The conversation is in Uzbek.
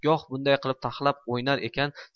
goh bunday taxlab o'ynar ekan